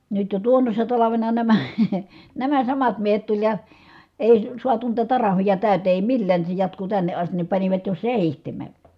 nyt jo tuonnoisena talvena nämä nämä samat miehet tuli ja ei saatu niitä tariffeja täyteen ei millään niin se jatkui tänne asti niin panivat jo seitsemän